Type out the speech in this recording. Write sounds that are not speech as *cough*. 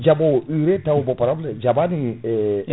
jaaɓowo urée taw ba * jaaɓani *hesitation*